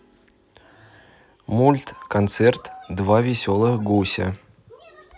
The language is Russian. мультконцерт два веселых гуся